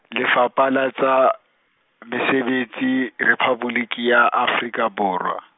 lefapha la tsa, mesebetsi Rephaboliki ya Afrika Borwa.